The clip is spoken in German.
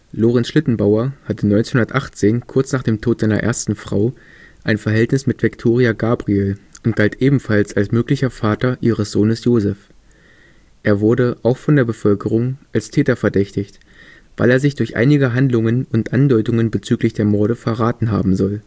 Lorenz Schlittenbauer hatte 1918, kurz nach dem Tod seiner ersten Frau, ein Verhältnis mit Viktoria Gabriel und galt ebenfalls als möglicher Vater ihres Sohnes Josef. Er wurde – auch von der Bevölkerung – als Täter verdächtigt, weil er sich durch einige Handlungen und Andeutungen bzgl. der Morde verraten haben soll